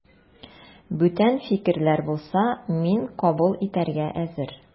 Бүтән фикерләр булса, мин кабул итәргә әзер.